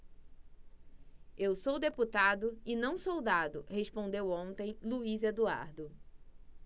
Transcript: eu sou deputado e não soldado respondeu ontem luís eduardo